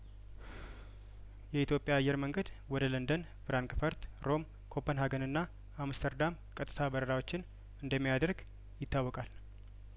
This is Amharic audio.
የኢትዮጵያ አየር መንገድ ወደ ለንደን ፍራንክፈርት ሮም ኮፐን ሀገንና አምስተርዳም ቀጥታ በረራዎችን እንደሚያደርግ ይታወቃል